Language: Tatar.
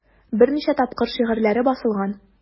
Берничә тапкыр шигырьләре басылган.